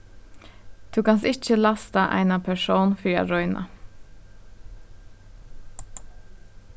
tú kanst ikki lasta eina persón fyri at royna